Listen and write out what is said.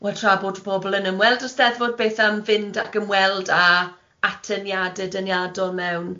Wel tra bod pobl yn ymweld â'r Steddfod, beth am fynd ac ymweld â atyniade dyniadol mewn?